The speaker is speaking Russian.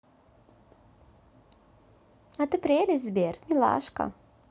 а ты прелесть сбер милашка